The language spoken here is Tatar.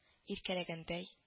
Иркәләнгәндәй